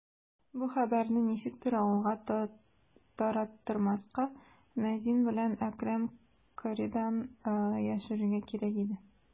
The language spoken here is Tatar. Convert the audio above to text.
Бу хәбәрне ничектер авылга тараттырмаска, мәзин белән Әкрәм каридан яшерергә кирәк иде.